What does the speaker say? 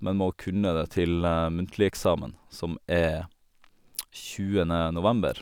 Men må kunne det til muntligeksamen, som er tjuende november.